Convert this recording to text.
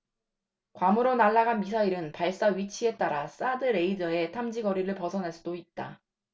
괌으로 날아간 미사일은 발사 위치에 따라 사드 레이더의 탐지거리를 벗어날 수도 있다